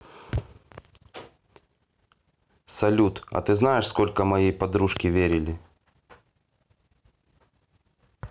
салют а ты знаешь сколько моей подружки верили